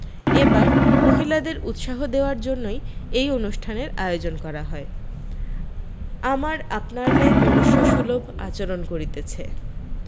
এবার মহিলাদের উৎসাহ দেওয়ার জন্যই এই অনুষ্ঠানের আয়োজন করা হয় আমার আপনার ন্যায় মনুষ্য সুলভ আচরণ করিতেছে